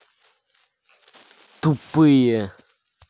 тупые